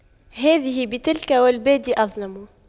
هذه بتلك والبادئ أظلم